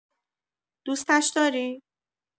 دوستش داری؟